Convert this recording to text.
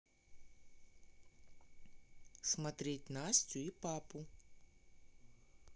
смотреть настю и папу